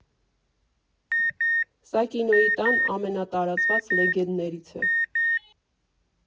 Սա Կինոյի տան ամենատարածված լեգենդներից է։